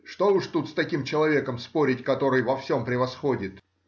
Что уж тут с таким человеком спорить, который во всем превосходит